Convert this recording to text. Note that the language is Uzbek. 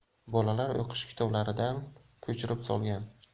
bolalar o'qish kitoblaridan ko'chirib solgan